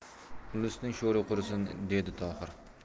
ulusning sho'ri qursin dedi tohir